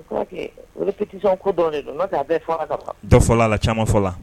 Dɔ caman fɔ la